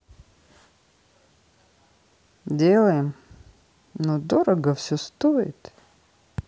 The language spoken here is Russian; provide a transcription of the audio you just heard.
делаем но дорого все стоит